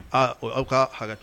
Aa aw ka hakɛtu